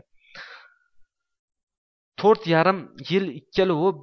to'rt yarim yil ikkalovi